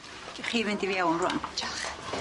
Gewch chi fynd i fi iawn rŵan. Diolch.